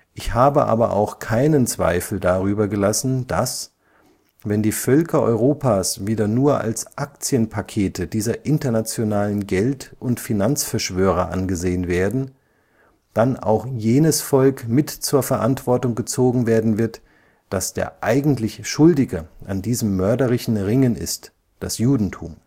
…] Ich habe aber auch keinen Zweifel darüber gelassen, dass, wenn die Völker Europas wieder nur als Aktienpakete dieser internationalen Geld - und Finanzverschwörer angesehen werden, dann auch jenes Volk mit zur Verantwortung gezogen werden wird, das der eigentlich Schuldige an diesem mörderischen Ringen ist: Das Judentum